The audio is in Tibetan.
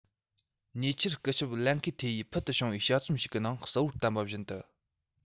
ཉེ ཆར སྐུ ཞབས ལན ཁེ ཐེ ཡིས ཕུལ དུ བྱུང བའི དཔྱད རྩོམ ཞིག གི ནང གསལ པོར བསྟན པ བཞིན དུ